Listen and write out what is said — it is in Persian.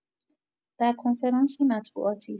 در کنفرانسی مطبوعاتی